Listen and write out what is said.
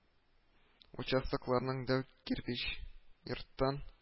Участокларының дәү кирпеч йорттан